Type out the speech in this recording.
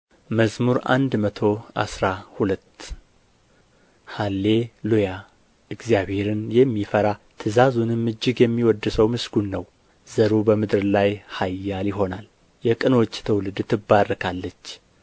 መዝሙር መቶ አስራ ሁለት ሃሌ ሉያ እግዚአብሔርን የሚፈራ ትእዛዙንም እጅግ የሚወድድ ሰው ምስጉን ነው ዘሩ በምድር ላይ ኃያል ይሆናል የቅኖች ትውልድ ትባረካለች